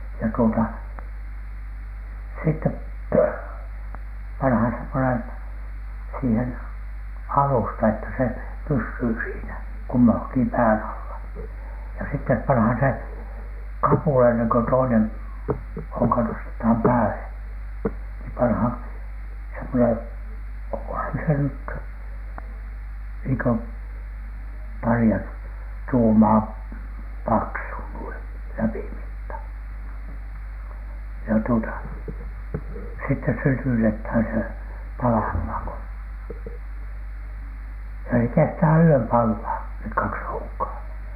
ja tuota sitten pannaan semmoinen siihen alusta että se pysyy siinä kummankin pään alla ja sitten pannaan se kapula ennen kuin toinen honka nostetaan päälle niin pannaan semmoinen onkohan se nyt niin kuin paria tuumaa paksu noin läpimitta ja tuota sitten sytytetään se palamaan kun ja se kestää yön palaa ne kaksi honkaa